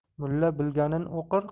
mulla bilganin o'qir